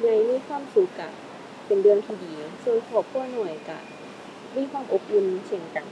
ใหญ่มีความสุขก็เป็นเรื่องที่ดี ส่วนครอบครัวน้อยก็มีความอบอุ่นเช่นกัน